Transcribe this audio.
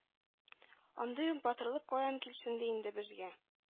Андый ук батырлык каян килсен ди инде безгә.